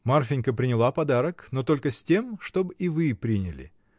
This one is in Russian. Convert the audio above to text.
Марфинька приняла подарок, но только с тем, чтобы и вы приняли.